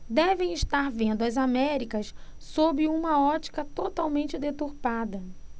devem estar vendo as américas sob uma ótica totalmente deturpada